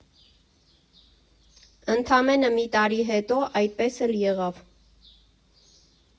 Ընդամենը մի տարի հետո այդպես էլ եղավ։